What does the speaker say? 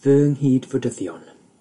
Fy nghyd-Fwdhyddion,